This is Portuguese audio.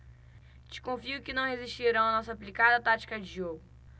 desconfio que não resistirão à nossa aplicada tática de jogo